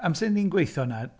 Amser ni'n gweithio 'na.